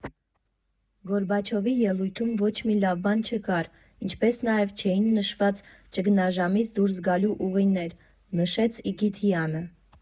Գորբաչովի ելույթում ոչ մի լավ բան չկար, ինչպես նաև չէին նշված ճգնաժամից դուրս գալու ուղիներ ֊ նշեց Իգիթյանը։